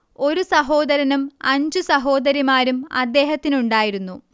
ഒരു സഹോദരനും അഞ്ചു സഹോദരിമാരും അദ്ദേഹത്തിനുണ്ടായിരുന്നു